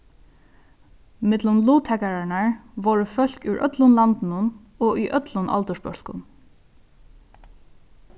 millum luttakararnar vóru fólk úr øllum landinum og í øllum aldursbólkum